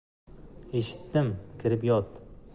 eshitdim kirib yot